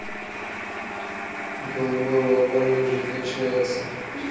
голубой вагон бежит качается